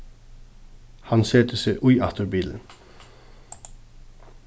hann setir seg í aftur bilin